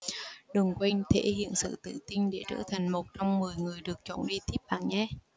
đừng quên thể hiện sự tự tin để trở thành một trong mười người được chọn đi tiếp bạn nhé